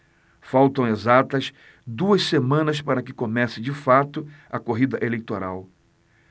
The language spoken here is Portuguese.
faltam exatas duas semanas para que comece de fato a corrida eleitoral